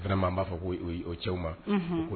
Vraiment n ba fɔ koyi oyi o cɛw ma unhun